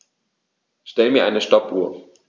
Stell mir eine Stoppuhr.